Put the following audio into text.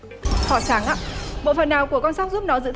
thỏ trắng ạ bộ phận nào của con sóc giúp nó giữ